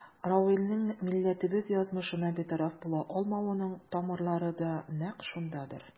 Равилнең милләтебез язмышына битараф була алмавының тамырлары да нәкъ шундадыр.